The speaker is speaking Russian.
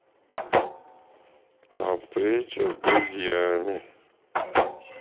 а встреча с друзьями